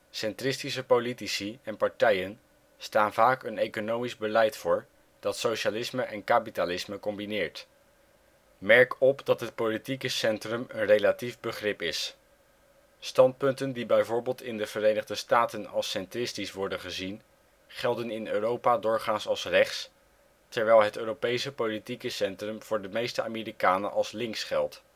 Centristische politici en partijen staan vaak een economisch beleid voor dat socialisme en kapitalisme combineert. Merk op dat het politieke centrum een relatief begrip is. Standpunten die bijvoorbeeld in de Verenigde Staten als centristisch worden gezien, gelden in Europa doorgaans als rechts, terwijl het Europese politieke centrum voor de meeste Amerikanen als links geldt